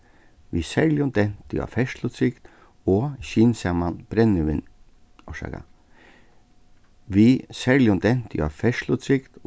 við serligum denti á ferðslutrygd og skynsaman orsaka við serligum denti á ferðslutrygd